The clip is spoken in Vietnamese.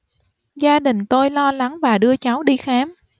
gia đình tôi lo lắng và đưa cháu đi khám